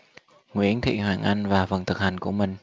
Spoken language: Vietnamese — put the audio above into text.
nguyễn thị hoàng oanh và phần thực hành của mình